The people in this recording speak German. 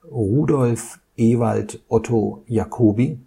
Rudolf Ewald Otto Jacobi